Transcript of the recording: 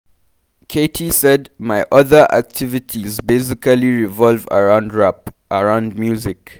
Keyti : My other activities basically revolve around rap, around music.